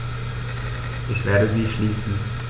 Ich werde sie schließen.